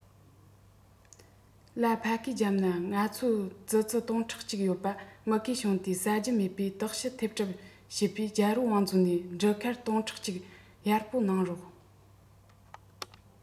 ལ ཕ གིའི རྒྱབ ན ང ཚོ ཙི ཙི སྟིང ཕྲག གཅིག ཡོད པ ག མུ གེ བྱུང སྟེ ཟ རྒྱུ མེད བས ལྟོགས ཤི ཐེབས གྲབས བྱེད པས རྒྱལ པོའི བང མཛོད ནས འབྲུ ཁལ སྟོང ཕྲག གཅིག གཡར པོ གནང རོགས